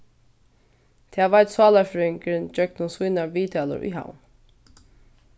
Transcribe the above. tað veit sálarfrøðingurin gjøgnum sínar viðtalur í havn